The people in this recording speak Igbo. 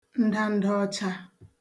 ndanda ọcha